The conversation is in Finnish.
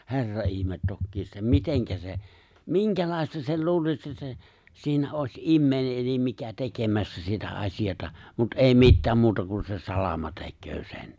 herra ihme tokiinsa että miten se minkälaista sen luulisi se se siinä olisi ihminen eli mikä tekemässä sitä asiaa mutta ei mitään muuta kuin se salama tekee sen